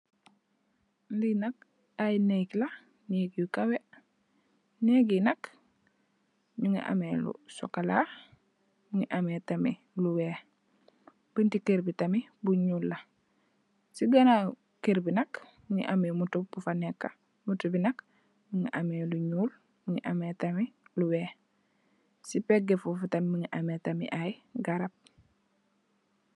Lii nak ay neeg la, neeg yu kowe, neeg yi nak, ñu ngi amee lu sokolaa, mu ngi amee tamit lu weex, buntu ker bi tamit, mu ngi amee lu ñuul, si ganaaw kër bi nak, mu ngi amee motto bu fa nëëka, motto bi nak, mu ngi amee lu ñuul, lu weex, si peegë foof tam, mu ngi amee tam ay garab.